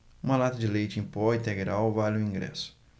uma lata de leite em pó integral vale um ingresso